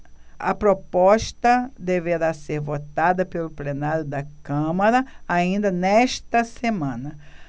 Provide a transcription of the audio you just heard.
a proposta deverá ser votada pelo plenário da câmara ainda nesta semana